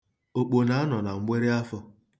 Okpo na-anọ na mgbụrị afọ.